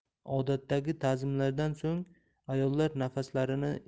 odatdagi tazimlardan so'ng ayollar nafaslarini